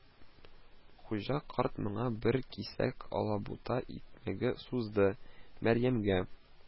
Хуҗа карт моңа бер кисәк алабута икмәге сузды, Мәрьямгә: